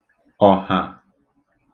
ọ̀hà